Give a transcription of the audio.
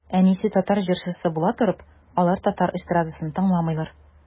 Әнисе татар җырчысы була торып, алар татар эстрадасын тыңламыйлар.